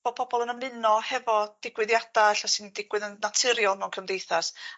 bo' pobol yn ymuno hefo digwyddiada elle sy'n digwydd yn naturiol mewn cymdeithas